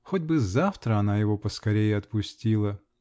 Хоть бы завтра она его поскорей отпустила!